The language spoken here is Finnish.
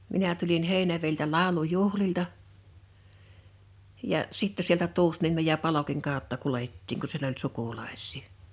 minä tulin Heinävedeltä laulujuhlilta ja sitten sieltä Tuusniemen ja Palokin kautta kuljettiin kun siellä oli sukulaisia